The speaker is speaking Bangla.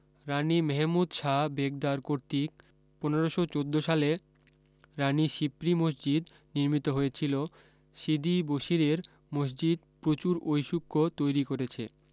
রানি মেহেমুদ শাহ বেগদার কর্তৃক পনেরশ চোদ্দ সালে রানি সিপ্রি মসজিদ নির্মিত হয়েছিলো সিদি বসিরের মসজিদ প্রচুর ঐসুক্য তৈরী করেছে